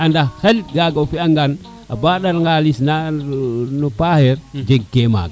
anda xel yag o fiya ngan a ɓadan xalis na no paxeer jeg ke maga